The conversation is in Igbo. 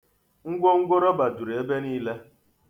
Ngwongwo rọba juru ebe niile.